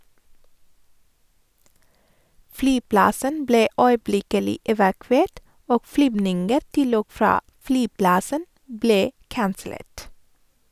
Flyplassen ble øyeblikkelig evakuert, og flyvninger til og fra flyplassen ble kansellert.